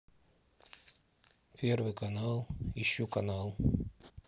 первый канал ищу канал